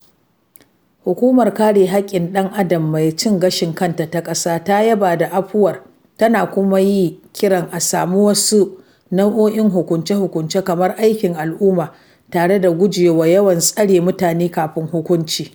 Hukumar Kare Hakkin Ɗan Adam Mai Cin Gashin Kanta ta Ƙasa ta yaba da afuwar, tana kuma yi kiran a samu wasu nau'in hukunce-hukunce, kamar aikin al'umma, tare da guje wa yawan tsare mutane kafin hukunci.